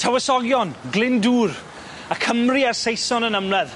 Tywysogion, Glyndŵr y Cymry a'r Saeson yn ymladd,